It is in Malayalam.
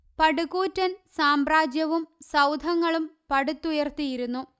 പടുകൂറ്റൻസാമ്രാജ്യവും സൌധങ്ങളും പടുത്തുയർത്തിയിരുന്നു